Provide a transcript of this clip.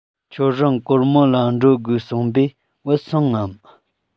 ཁྱོད རང གོར མོ ལ འགྲོ དགོས གསུངས པས བུད སོང ངམ